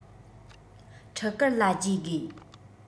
ཕྲུ གུར ལ བརྗེ དགོས